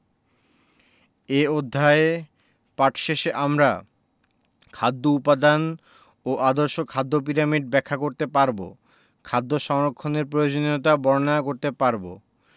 এ অধ্যায় পাঠ শেষে আমরা খাদ্য উপাদান ও আদর্শ খাদ্য পিরামিড ব্যাখ্যা করতে পারব খাদ্য সংরক্ষণের প্রয়োজনীয়তা বর্ণনা করতে পারব